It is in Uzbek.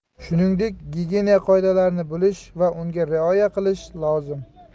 shuningdek gigiyena qoidalarini bilish va unga rioya qilish lozim